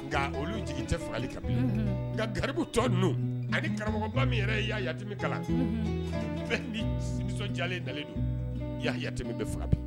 Nka olu jigin tɛ fagali kan nka garibu tɔun ani karamɔgɔ min yɛrɛ ye ya yami kalan fɛn nidiyalen dalen don ya ya min bɛ faga